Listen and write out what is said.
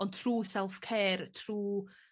ond trw self care trw